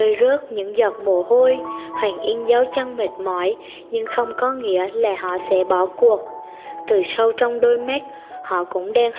rơi rớt những giọt mồ hôi hằng in trên dấu chân mệt mỏi nhưng không có nghĩa là họ sẽ bỏ cuộc từ sâu trong đôi mắt họ cũng đang hi vọng